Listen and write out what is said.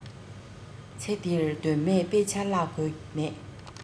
ཚེ འདིར དོན མེད དཔེ ཆ བཀླག དགོས མེད